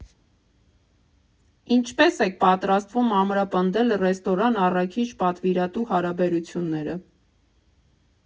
Ինչպե՞ս եք պատրաստվում ամրապնդել ռեստորան֊առաքիչ֊պատվիրատու հարաբերությունները։